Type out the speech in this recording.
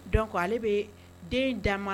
Dɔn kɔ ale bɛ den dan